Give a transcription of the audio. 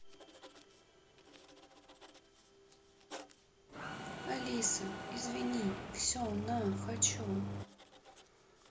алиса извини все на хочу